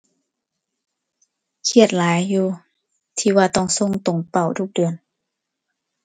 เครียดหลายอยู่ ที่ว่าต้องส่งตรงเป้าทุกเดือน